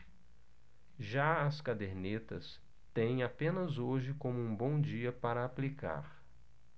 já as cadernetas têm apenas hoje como um bom dia para aplicar